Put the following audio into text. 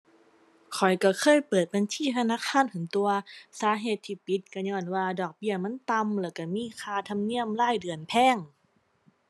ข้อยก็เคยเปิดบัญชีธนาคารหั้นตั่ว สาเหตุที่ปิดก็ญ้อนว่าดอกเบี้ยมันต่ำแล้วก็มีค่าธรรมเนียมรายเดือนแพง